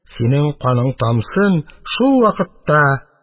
Синең каның тамсын, шул вакытта